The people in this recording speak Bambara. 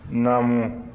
naamu